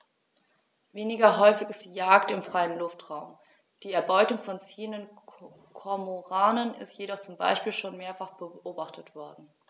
Weniger häufig ist die Jagd im freien Luftraum; die Erbeutung von ziehenden Kormoranen ist jedoch zum Beispiel schon mehrfach beobachtet worden.